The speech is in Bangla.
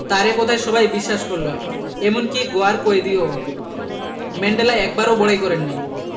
তাঁর এ কথায় সবাই বিশ্বাস করল এমনকি গোঁয়ার কয়েদিও ম্যান্ডেলা একবারও বড়াই করেননি